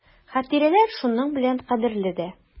Хатирәләр шуның белән кадерле дә.